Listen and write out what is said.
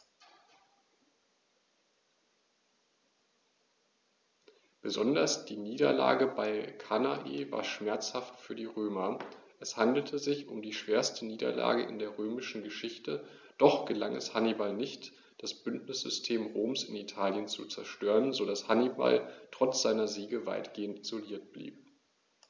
Besonders die Niederlage bei Cannae war schmerzhaft für die Römer: Es handelte sich um die schwerste Niederlage in der römischen Geschichte, doch gelang es Hannibal nicht, das Bündnissystem Roms in Italien zu zerstören, sodass Hannibal trotz seiner Siege weitgehend isoliert blieb.